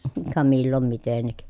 - ka milloin mitenkin